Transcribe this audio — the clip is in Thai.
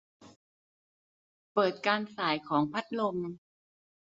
เปิดการส่ายของพัดลม